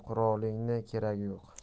qurolning keragi yo'q